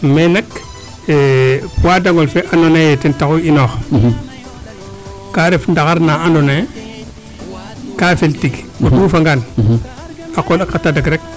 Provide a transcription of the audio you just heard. mais nak poids Dangole fee ando naye ten taxu i inoox kaa ref ndaxar naa ando naye kaa fel tig o duufa ngaan a qoola tadaq rek